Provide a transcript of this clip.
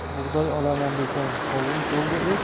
bug'doy olaman desang qovun polga